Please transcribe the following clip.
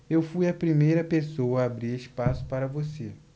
eu fui a primeira pessoa a abrir espaço para você